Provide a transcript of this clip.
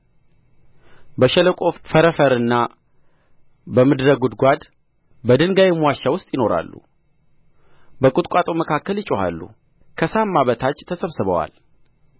በሸለቆ ፈረፈርና በምድር ጕድጓድ በድንጋይም ዋሻ ውስጥ ይኖራሉ በቍጥቋጦ መካከል ይጮኻሉ ከሳማ በታች ተሰብስበዋል